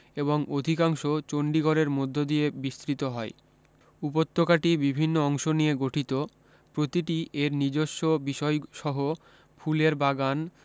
এবং অধিকাংশ চন্ডীগড়ের মধ্য দিয়ে বিস্তৃত হয় উপত্যকাটি বিভিন্ন অংশ নিয়ে গঠিত প্রতিটি এর নিজস্ব বিষয়সহ ফুলের বাগান